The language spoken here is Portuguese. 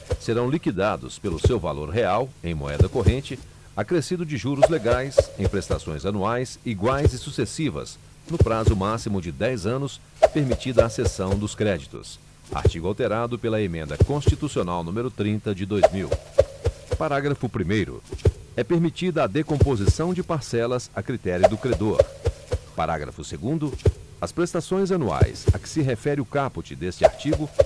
serão liquidados pelo seu valor real em moeda corrente acrescido de juros legais em prestações anuais iguais e sucessivas no prazo máximo de dez anos permitida a cessão dos créditos artigo alterado pela emenda constitucional número trinta de dois mil parágrafo primeiro é permitida a decomposição de parcelas a critério do credor parágrafo segundo as prestações anuais a que se refere o caput deste artigo